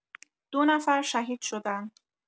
دو نفر شهید شدن.